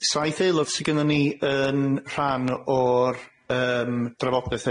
Saith eulod sy gynnon ni yn rhan o'r yym drafodaeth